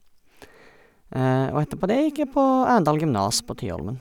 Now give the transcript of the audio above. Og etterpå det gikk jeg på Arendal Gymnas på Tyholmen.